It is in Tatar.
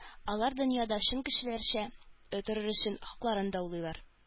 Алар дөньяда чын кешеләрчә торыр өчен хакларын даулыйлар